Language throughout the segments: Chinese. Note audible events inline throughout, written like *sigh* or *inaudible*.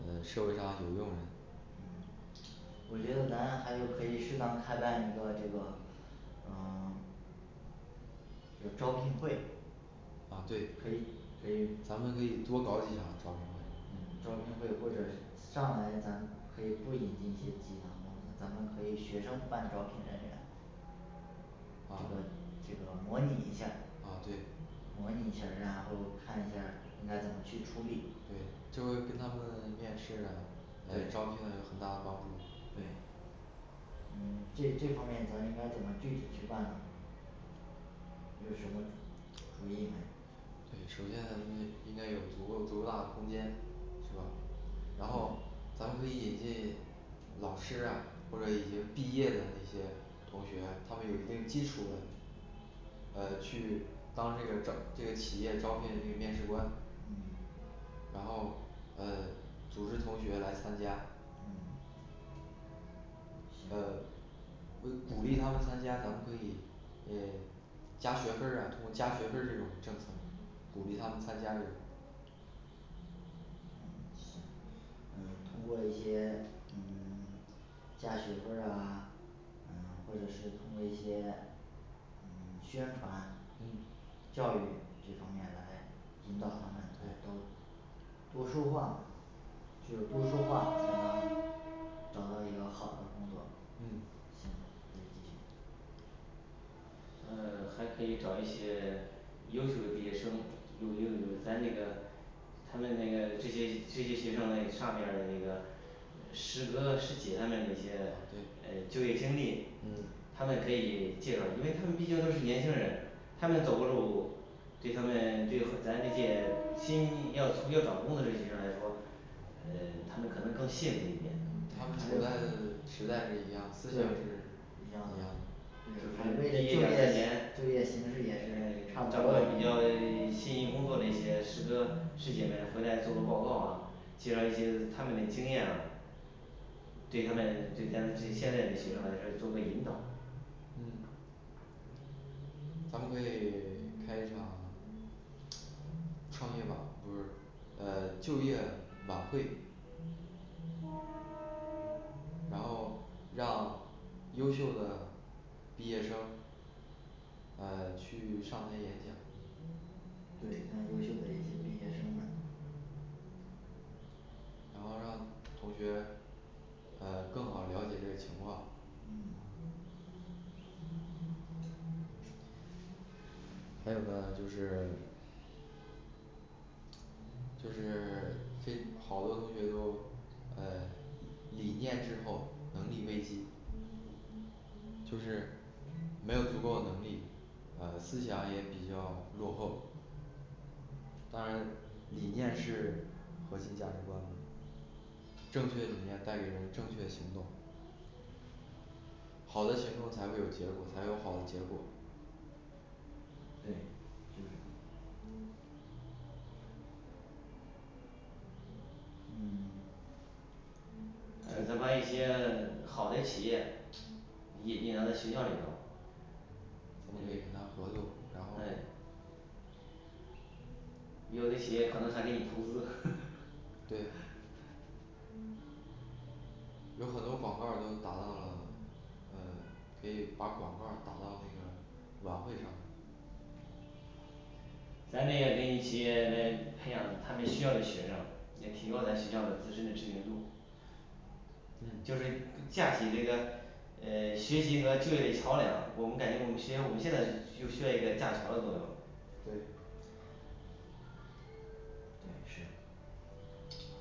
嗯社会上的有用人嗯我觉得咱还有可以适当开办一个这个嗯 *silence* 就招聘会。啊对可以可以咱们可以多搞几场招聘会嗯招聘会或者上来咱可以不引进一些集团公司，咱们可以学生扮招聘人员。这个啊这个模拟一下儿，啊对模拟一下儿然后看一下儿应该怎么去处理对就会跟他们面试啊招对聘了有很大的帮助对嗯这这方面咱应该怎么具体去办呢有什么主意吗？对，首先咱们应该有足够足够大的空间是吧然后咱们可以引进老师啊或者已经毕业的一些同学，他们有一定基础的呃去当这个招这个企业招聘这个面试官嗯然后呃组织同学来参加嗯呃行鼓励他们参加，咱们可以呃加学分儿啊通过加学分儿这种政策鼓励他们参加就嗯行嗯通过一些嗯加学分儿啊，嗯或者是通过一些嗯宣传跟教育这方面来引导他们来都多说话嘛，就多说话才能找到一个好的工作，嗯行可以继续嗯还可以找一些优秀的毕业生有有有在那个他们那个这些这些学生嘞上面儿有一个师哥师姐，他们这啊些，对呃就业经历嗯他们可以介绍，因为他们毕竟都是年轻人他们走过路，对他们对和咱这些新要要找工作这些人来说，嗯他们可能更羡慕一点他们对处在还有时代是一样思想对是一一样样的的对还为了就业就业形势也是差不找多到比较心仪工作嘞一些师哥师姐们回来做做报告啊介绍一些他们的经验啊对他们就像是对现在的学生来说，做个引导嗯咱们可以 *silence* 开一场，创业吧不是呃就业晚会然后让优秀的毕业生呃去上台演讲对，让优秀的一些毕业生们然后让同学呃更好了解这个情况还有个就是就是 *silence* 这好多同学都呃理念滞后能力危机，就是没有足够的能力呃思想也比较落后。当然理念是核心价值观，正确的理念带给人，正确的行动，好的行动才会有结果，才有好的结果对就是嗯呃咱把一些好嘞企业引进到咱学校里头不给他合作然后对有的可能还给你投资 *noise* 对有很多广告儿都打到了嗯可以把广告儿打到那个晚会上咱这也给你企业 *silence* 培养他们需要嘞学生，来提高咱学校的自身的知名度，嗯就是架起这个嗯学习和就业桥梁，我们感觉我们学校我们现在就需要一个架桥的作用对对是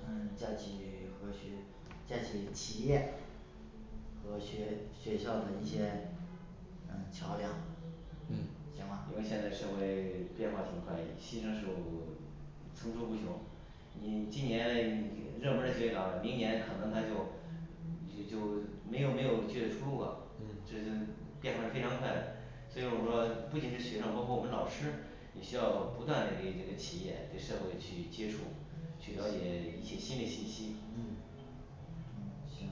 嗯架起和学架起企业和学学校的一些嗯桥梁嗯行因为吧现在社会 *silence* 变化挺快，新生事物层出不穷，你今年嘞热门儿学校明年可能它就也就没有没有这个出路了嗯就是变化是非常快的，所以我说不仅是学生，包括我们老师也需要不断嘞给企业给社会去接触去了解一些新嘞信息嗯。嗯行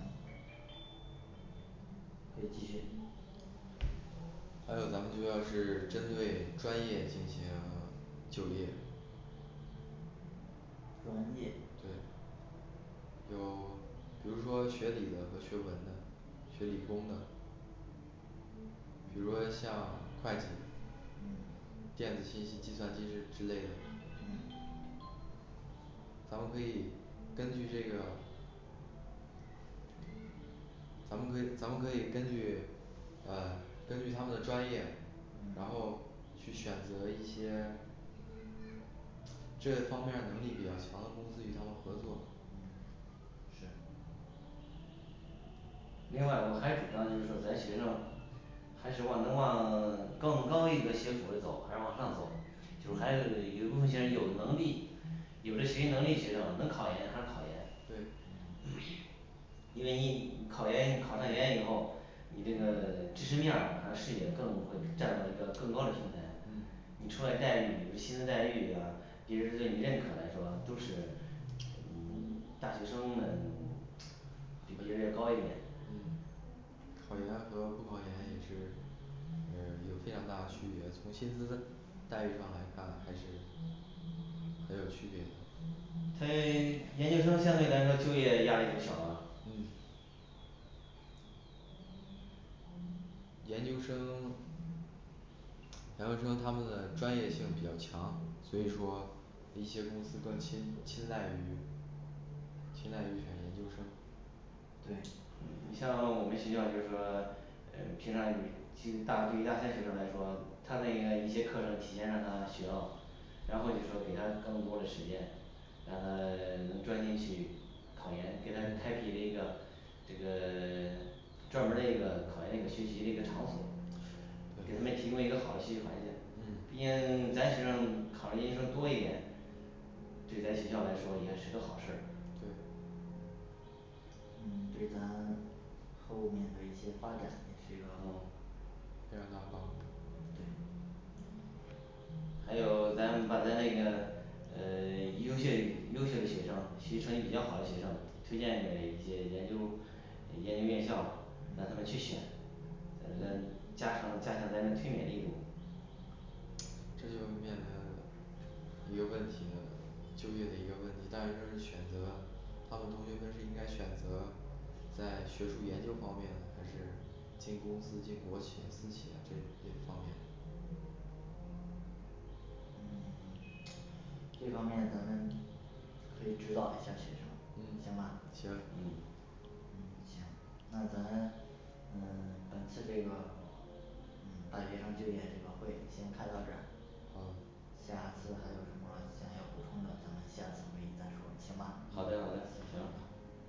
可以继续还有咱们学校是针对专业进行就业。专业对有比如说学理的和学文的，学理工的，比如说像会计嗯电子信息、计算机之类的嗯咱们可以根据这个咱们可以咱们可以根据啊根据他们的专业然后去选择一些这方面儿能力比较强的公司与他们合作嗯是另外我还主张就是咱学生还是往能往 *silence* 更高的一个学府嘞走还是往上走就是还是嗯有部分学生有能力，有这学习能力学生能考研还是考研对是因为你考研你考上研以后，你这个知识面儿还有视野更会站到一个更高嘞平台你出来待遇薪资待遇啊，别人儿对你认可来说都是嗯大学生们比别人要高一点嗯考研和不考研也是嗯有非常大的区别，从薪资待遇上来看还是很有区别的他 *silence* 研究生相对来说就业压力就小了嗯研究生，然后说他们的专业性比较强，所以说一些公司更亲青睐于青睐于选研究生对你像我们学校就是说嗯平常你去大对于大三学生来说，他那个一些课程提前让他学到然后就说给他更多的时间，让他 *silence* 能专心去考研，给他开辟嗯了一个这个 *silence* 专门儿嘞一个考研一个学习嘞一个场所给他们提供一个好嘞学习环境。毕嗯竟 *silence* 咱学生考上研究生多一点对咱学校来说也是个好事儿对嗯对咱后面的一些发展也是一个哦非常大的帮助对还有咱们把咱那个呃 *silence* 优秀 *unintelligible* 优秀的学生学习成绩比较好嘞学生推荐的一些研究研究院校让他们去选嗯，嗯咱加强加强咱推免力度这就面临一个问题的，就业的一个问题，但是就是选择他们同学们是应该选择在学术研究方面，还是进公司进国企、私企啊这这一方面这方面咱们可以指导一下学生嗯行吧行嗯嗯行那咱嗯本次这个嗯大学生就业这个会先开到这儿好下次还有什么想要补充的，咱们下次会议再说行吧好的好的行行好的